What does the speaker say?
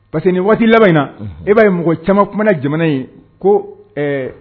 Parce que ni waati laban in na e b'a ye mɔgɔ caman kuma na jamana in ko ɛɛ